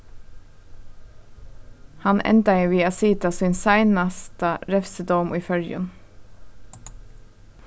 hann endaði við at sita sín seinasta revsidóm í føroyum